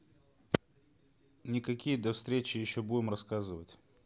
никакие до встречи еще будем рассказывать еще